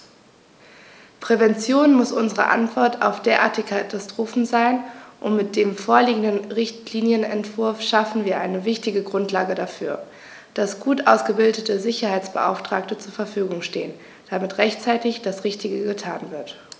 Prävention muss unsere Antwort auf derartige Katastrophen sein, und mit dem vorliegenden Richtlinienentwurf schaffen wir eine wichtige Grundlage dafür, dass gut ausgebildete Sicherheitsbeauftragte zur Verfügung stehen, damit rechtzeitig das Richtige getan wird.